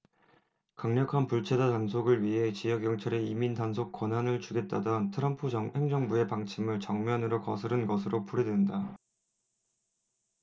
강력한 불체자 단속을 위해 지역 경찰에 이민 단속 권한을 주겠다던 트럼프 행정부의 방침을 정면으로 거스른 것으로 풀이된다